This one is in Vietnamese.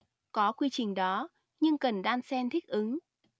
có quy trình đó nhưng cần đan xen thích ứng